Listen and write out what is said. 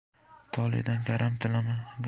toledan karam tilama